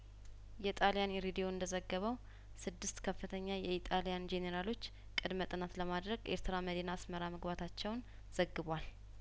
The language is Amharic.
የጣሊያን ሬዲዮ እንደዘገበው ስድስት ከፍተኛ የኢጣሊያን ጄኔራሎች ቅድመ ጥናት ለማድረግ ኤርትራ መዲና አስመራ መግባታቸውን ዘግቧል